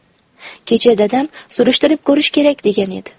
kecha dadam surishtirib ko'rish kerak degan edi